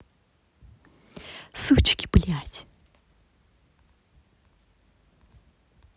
сучки блять